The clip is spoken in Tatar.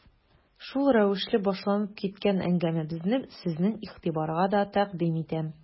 Шул рәвешле башланып киткән әңгәмәбезне сезнең игътибарга да тәкъдим итәм.